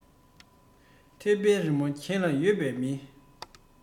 རྩུབ ཚོད མ ཟིན བུ ཡང ཞེན པ ལོག